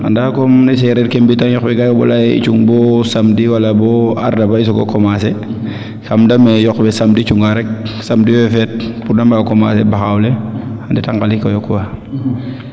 ndaa comme ne sereer ke mbi tan yoq we gaa yomba leya ye i cung bo samedi wala bo ardaba i soogo commencer xam xame yoqwe samedi cunga rek samedi fee feet pour de mbaago commencer baxaaw le a ndeta ngaliko yo quoi